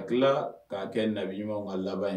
A tila k'a kɛ nabiɲuman ka laban in ye